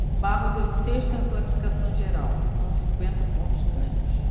barros é o sexto na classificação geral com cinquenta pontos ganhos